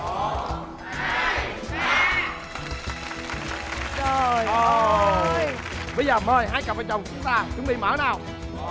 một hai ba trời ơi bây giờ mời hai cặp vợ chồng chúng ta chuẩn bị mở nào